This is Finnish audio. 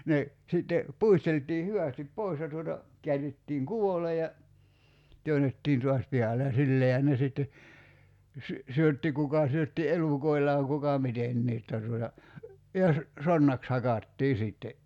ne sitten puisteltiin hyvästi pois ja tuota käärittiin kuvolle ja työnnettiin taas pihalle ja sillä laillahan ne sitten - syötti kuka syötti elukoillaan kuka mitenkin jotta tuota ja - sonnaksi hakattiin sitten